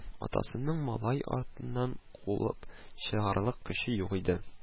Атасының малай артыннан куып чыгарлык көче юк иде